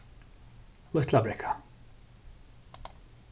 lítlabrekka